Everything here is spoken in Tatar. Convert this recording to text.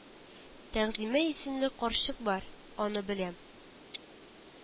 Тәгъзимә исемле карчык бар, аны беләм